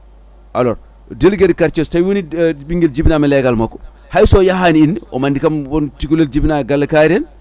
alors délégué de quartier so tawi woni ɓingguel jibinama e leegal makko hayso yahani inde omo andi kam won cukalel jibina galle kaari en